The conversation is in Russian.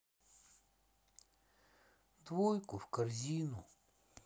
двойку в корзину